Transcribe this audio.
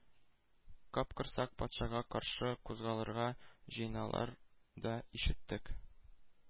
Капкорсак патшага каршы кузгалырга җыйналалар дип ишеттек,